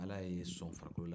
ala y'e sɔn farikolo la